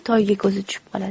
toyga ko'zi tushib qoladi